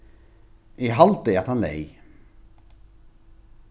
eg haldi at hann leyg